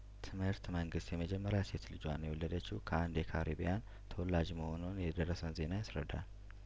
ትምህርት መንግስት የመጀመሪያ ሴት ልጇን የወለደችው ከአንድ የካረቢያን ተወላጅ መሆኑን የደረሰን ዜና ያስረዳል